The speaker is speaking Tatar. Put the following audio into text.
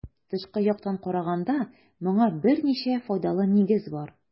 Тышкы яктан караганда моңа берничә файдалы нигез бар.